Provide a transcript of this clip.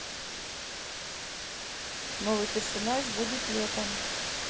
новый персонаж будет летом